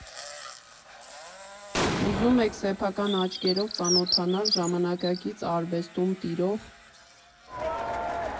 Ուզում եք սեփական աչքերով ծանոթանալ ժամանակից արվեստում տիրող։